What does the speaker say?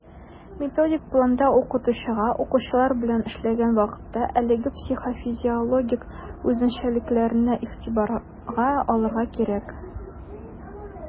Методик планда укытучыга, укучылар белән эшләгән вакытта, әлеге психофизиологик үзенчәлекләрне игътибарга алырга кирәк.